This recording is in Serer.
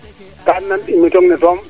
kam nam emission ne soom